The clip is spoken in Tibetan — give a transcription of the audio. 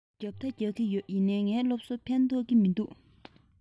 རྒྱག དང རྒྱག གི ཡོད ཡིན ནའི ངའི སློབ གསོས ཕན ཐོགས ཀྱི མི འདུག